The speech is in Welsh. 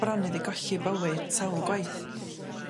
Bron iddi golli 'i bywyd sawl gwaith.